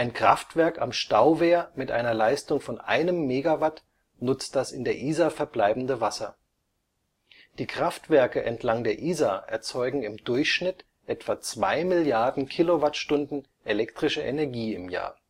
Kraftwerk am Stauwehr mit einer Leistung von einem Megawatt nutzt das in der Isar verbleibende Wasser. Die Kraftwerke entlang der Isar erzeugen im Durchschnitt etwa 2 Milliarden Kilowattstunden elektrische Energie im Jahr